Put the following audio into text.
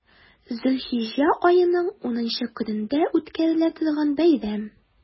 Зөлхиҗҗә аеның унынчы көнендә үткәрелә торган бәйрәм.